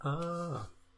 Ah.